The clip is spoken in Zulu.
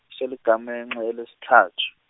seligamenxe elesithathu.